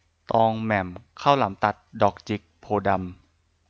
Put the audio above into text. ตองแหม่มข้าวหลามตัดดอกจิกโพธิ์ดำ